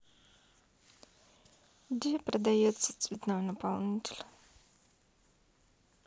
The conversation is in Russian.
где продается цветной наполнитель